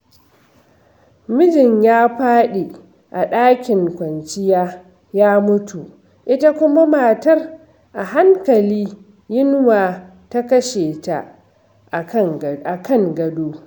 Mijin ya faɗi a ɗakin kwanciya ya mutu, ita kuma matar a hankali yunwa ta kashe ta a kan gado.